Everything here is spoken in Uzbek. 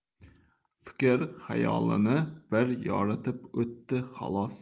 fikr xayolini bir yoritib o'tdi xolos